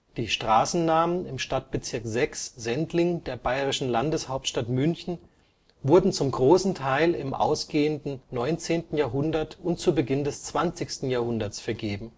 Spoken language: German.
Die Straßennamen im Stadtbezirk 6 Sendling der bayerischen Landeshauptstadt München wurden zum großen Teil im ausgehenden 19. Jahrhundert und zu Beginn des 20. Jahrhunderts vergeben